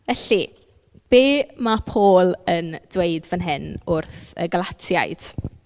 Felly be ma' Paul yn dweud fan hyn wrth y Galatiaid?